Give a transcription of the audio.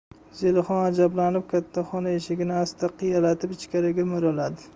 zelixon ajablanib katta xona eshigini asta qiyalatib ichkariga mo'raladi